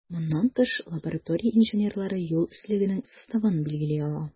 Моннан тыш, лаборатория инженерлары юл өслегенең составын билгели ала.